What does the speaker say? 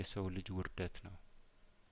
የሰው ልጅ ውርደት ነው